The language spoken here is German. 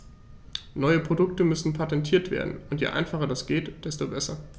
Neue Produkte müssen patentiert werden, und je einfacher das geht, desto besser.